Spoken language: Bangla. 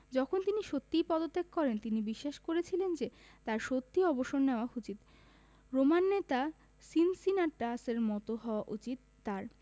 যখন তিনি সত্যিই পদত্যাগ করেন তিনি বিশ্বাস করেছিলেন যে তাঁর সত্যিই অবসর নেওয়া উচিত রোমান নেতা সিনসিনাটাসের মতো হওয়া উচিত তাঁর